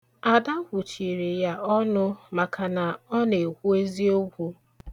Ada kwuchiri ya ọnụ maka na ọ na-ekwu eziokwu.